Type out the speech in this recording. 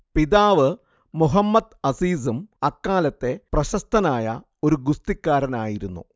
പിതാവ് മുഹമ്മദ് അസീസും അക്കാലത്തെ പ്രശസ്തനായ ഒരു ഗുസ്തിക്കാരനായിരുന്നു